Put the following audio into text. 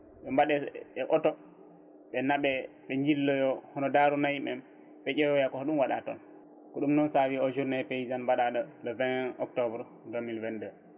ɓe mbaɗe e oto ɓe naaɓe ɓe jirloyo hono Darou nayyi en ɓe ƴeewoya ko hoɗum waɗa toon ko ɗum noon saabi o journée paysane mbaɗaɗo le 20 octobre 2022